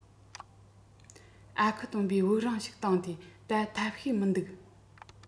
ཨ ཁུ སྟོན པས དབུགས རིང ཞིག བཏང སྟེ ད ཐབས ཤེས མིན འདུག